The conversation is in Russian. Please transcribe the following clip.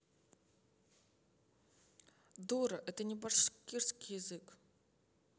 дура это не башкирский язык